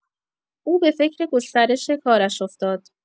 او به فکر گسترش کارش افتاد.